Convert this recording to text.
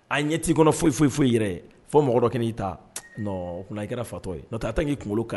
A ɲɛ t' i kɔnɔ foyi foyi foyi i yɛrɛ fo mɔgɔ'i ta oumana i kɛra fatɔ n taa' kunkolo kan